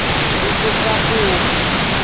у букабу